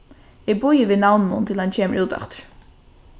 eg bíði við navninum til hann kemur út aftur